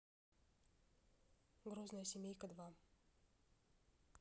грозная семейка два